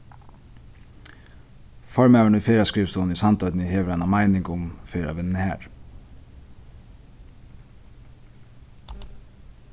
formaðurin í ferðaskrivstovuni í sandoynni hevur eina meining um ferðavinnuna har